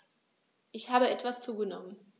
Ich habe etwas zugenommen